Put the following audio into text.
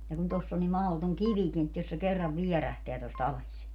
ja kun tuossa on niin mahdoton kivikin että jos se kerran vierähtää tuosta alas